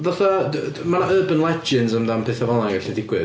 Fatha d- d- ma' 'na urban legends amdan pethau fel 'na'n gallu digwydd.